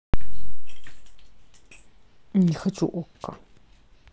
не хочу okko